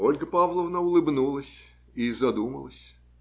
Ольга Павловна улыбнулась и задумалась.